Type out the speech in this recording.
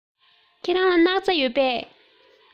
ཁྱེད རང ལ སྣག ཚ ཡོད པས